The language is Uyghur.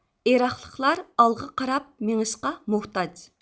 ئىراقلىقلار ئالغا قاراپ مېڭىشقا مۇھتاج